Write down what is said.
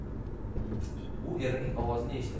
u erining ovozini eshitib